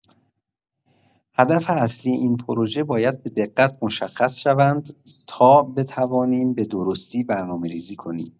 هدف اصلی این پروژه باید به‌دقت مشخص شوند تا بتوانیم به‌درستی برنامه‌ریزی کنیم.